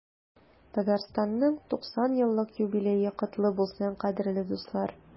Татарстанның 90 еллык юбилее котлы булсын, кадерле дуслар!